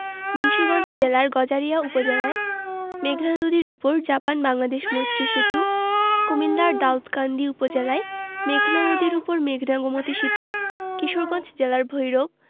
মুন্সিগঞ্জ জেলার গজারিয়া উপজেলায় মেঘনা নদীর উপর জাপান বাংলাদেশ মৈত্রী সেতু কুমিল্লার দাউদকান্দি উপজেলায় মেঘনা নদীর উপর মেঘনা গোমতী সেতু কিশোরগঞ্জ জেলার ভৈরব